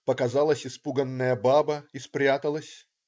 Показалась испуганная баба и спряталась.